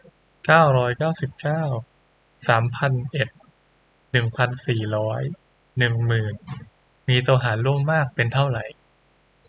เก้าร้อยเก้าสิบเก้าสามพันเอ็ดหนึ่งพันสี่ร้อยหนึ่งหมื่นมีตัวหารร่วมมากเป็นเท่าไหร่